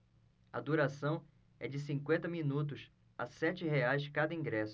a duração é de cinquenta minutos a sete reais cada ingresso